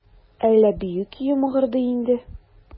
Әллә бию көе мыгырдый инде?